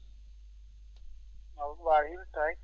maate ɗum hirtaki